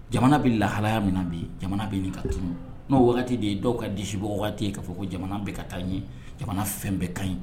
Jamana bɛ lahalaya min bi jamana bɛ nin ka tu n'o wagati de ye dɔw ka disibɔ wagati ye ka fɔ ko jamana bɛ ka taa ye jamana fɛn bɛ ka ɲi